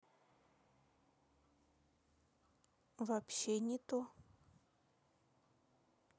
вообще не то